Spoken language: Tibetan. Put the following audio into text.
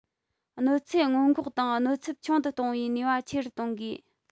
གནོད འཚེ སྔོན འགོག དང གནོད ཚབས ཆུང དུ གཏོང བའི ནུས པ ཆེ རུ གཏོང དགོས